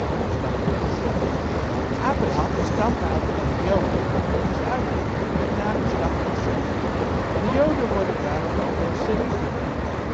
nageslacht opgesomd. Abraham, de stamvader van de joden, is uit het nageslacht van Sem. De joden worden daarom ook wel semieten genoemd.